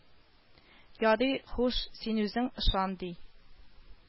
Ярый, хуш, син үзең ышан ди